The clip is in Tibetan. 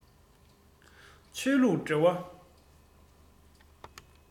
ཆོས ལུགས འབྲེལ བ